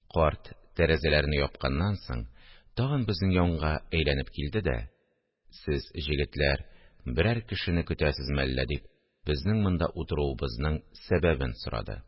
Карт, тәрәзәләрне япканнан соң, тагын безнең янга әйләнеп килде дә: – Сез, җегетләр, берәр кешене көтәсез мәллә? – дип, безнең монда утыруыбызның сәбәбен сорады.